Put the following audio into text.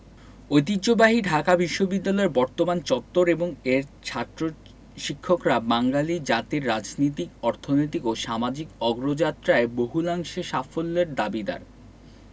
ঐতিহ্যবাহী ঢাকা বিশ্ববিদ্যালয়ের বর্তমান চত্বর এবং এর ছাত্র শিক্ষকরা বাঙালি জাতির রাজনীতিক অর্থনীতিক ও সামাজিক অগ্রযাত্রায় বহুলাংশে সাফল্যের দাবিদার